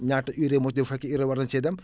ñaata urée moo ci dem bu fekkee urée war na cee dem